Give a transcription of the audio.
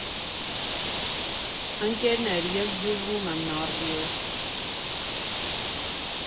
Ընկերներ, ես բուժվում եմ նարդիով։